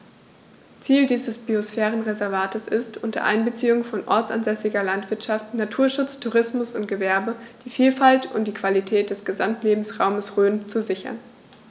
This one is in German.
Ziel dieses Biosphärenreservates ist, unter Einbeziehung von ortsansässiger Landwirtschaft, Naturschutz, Tourismus und Gewerbe die Vielfalt und die Qualität des Gesamtlebensraumes Rhön zu sichern.